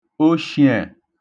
oshīẹ̀